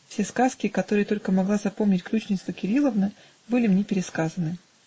Все сказки, которые только могла запомнить ключница Кириловна, были мне пересказаны